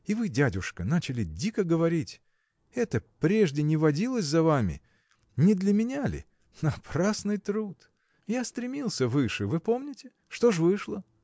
– И вы, дядюшка, начали дико говорить! Этого прежде не водилось за вами. Не для меня ли? Напрасный труд! Я стремился выше – вы помните? Что ж вышло?